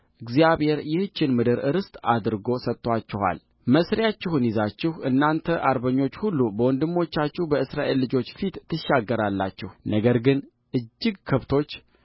እግዚአብሔር ይህችን ምድር ርስት አድርጎ ሰጥቶአችኋል መሣሪያችሁን ይዛችሁ እናንተ አርበኞች ሁሉ በወንድሞቻችሁ በእስራኤል ልጆች ፊት ትሻገራላችሁነገር ግን እጅግ ከብቶች